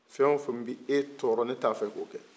fɛn o fɛn bɛ e tɔɔrɔ ne t'a fɛ ka o kɛ